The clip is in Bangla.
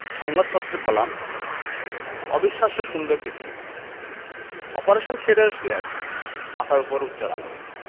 সংবাদপত্রের কলাম অবিশ্বাস্য সুন্দর পৃথিবী অপারেশন থিয়েটারে শুয়ে আছি মাথার ওপর উজ্জ্বল আলো